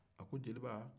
a ko jeliba